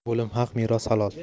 o'lim haq meros halol